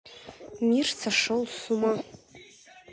мир сошел с ума